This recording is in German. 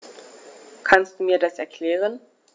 Kannst du mir das erklären?